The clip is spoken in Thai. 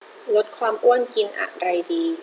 ลดความอ้วนกินอะไรดี